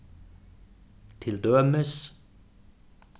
til dømis